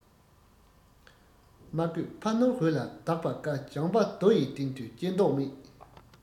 མ བཀོད ཕ ནོར བུ ལ བདག པ དཀའ ལྗང པ རྡོ ཡི སྟེང དུ སྐྱེ མདོག མེད